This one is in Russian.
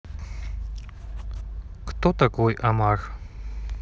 кто такой омар